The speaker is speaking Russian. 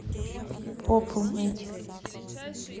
попу мыть